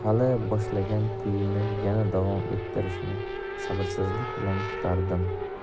davom ettirishini sabrsizlik bilan kutardim